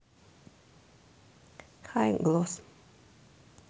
хай глосс